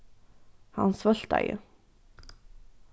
hann svøltaði